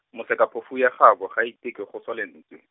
mosekaphofu ya gaabo ga iteke go swa lentswe.